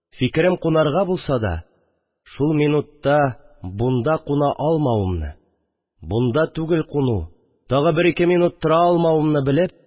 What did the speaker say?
Фикерем кунарга булса да, шул минутыта монда куна алмавымны, бунда, түгел куну, тагы бер-ике минут тора алмавымны белеп